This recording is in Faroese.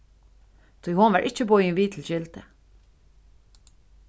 tí hon var ikki boðin við til gildið